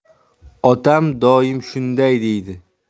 otam doim shunday deydi